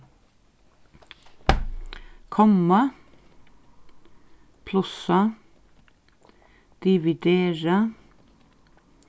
komma plussa dividera